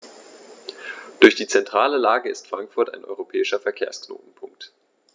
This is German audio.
Durch die zentrale Lage ist Frankfurt ein europäischer Verkehrsknotenpunkt.